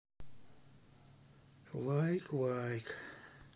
лайк лайк